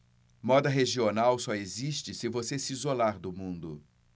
moda regional só existe se você se isolar do mundo